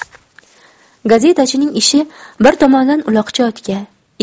gazetachining ishi bir tomondan uloqchi otga